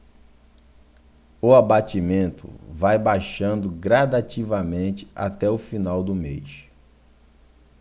o abatimento vai baixando gradativamente até o final do mês